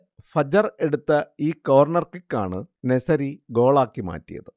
Fajr എടുത്ത ഈ corner കിക്കാണ് നെസിരി ഗോളാക്കി മാറ്റിയത്